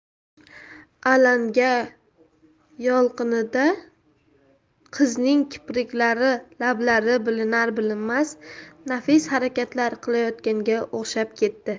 alanga yolqinida qizning kipriklari lablari bilinar bilinmas nafis harakatlar qilayotganga o'xshab ketdi